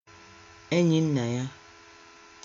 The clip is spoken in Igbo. Enyinnaya